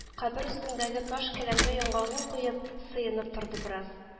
Кабер өстендәге таш келәмгә яңагын куеп, сыенып торды бераз